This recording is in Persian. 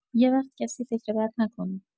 یوقت کسی فکر بد نکنه!